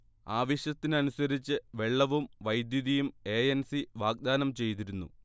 ആവശ്യത്തിനനുസരിച്ച് വെള്ളവും വൈദ്യുതിയും എ എൻ സി വാഗ്ദാനം ചെയ്തിരുന്നു